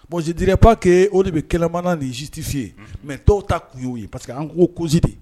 Bonzdirapba que o de bɛ kɛlɛmana nin si tɛfiye mɛ tɔw ta kun y' ye pari que an k ko kosi de